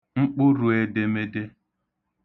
mkpụrụēdēmēdē